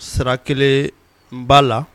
Sira kelen n ba la